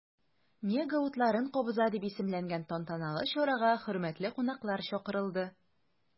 “мега утларын кабыза” дип исемләнгән тантаналы чарага хөрмәтле кунаклар чакырылды.